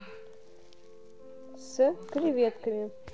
с креветками